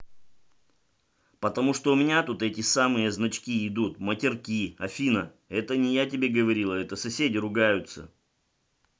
потому что у меня тут эти самые значки идут матерки афина это не я тебе говорила это соседи ругаются